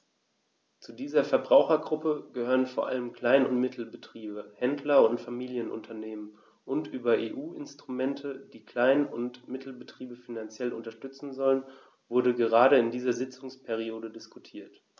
Zu dieser Verbrauchergruppe gehören vor allem Klein- und Mittelbetriebe, Händler und Familienunternehmen, und über EU-Instrumente, die Klein- und Mittelbetriebe finanziell unterstützen sollen, wurde gerade in dieser Sitzungsperiode diskutiert.